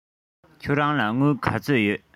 ཁྱེད རང ལ དངུལ ག ཚོད ཡོད